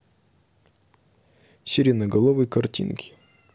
сиреноголовый картинки